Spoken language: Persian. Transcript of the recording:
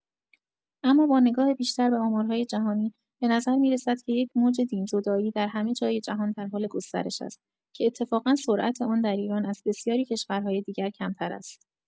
اما با نگاه بیشتر به آمارهای جهانی، به نظر می‌رسد که یک موج دین زدایی در همه‌جای جهان در حال گسترش است، که اتفاقا سرعت آن در ایران از بسیاری کشورهای دیگر کمتر است.